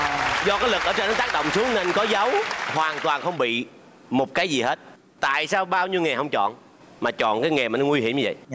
do cái lực ở trên nó tác động xuống nên có dấu hoàn toàn không bị một cái gì hết tại sao bao nhiêu nghề không chọn mà chọn cái nghề mà nguy hiểm như vậy